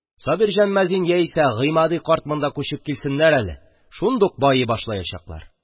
– сабирҗан мәзин яисә гыймади карт монда күчеп килсеннәр әле, шундук байый башлаячаклар.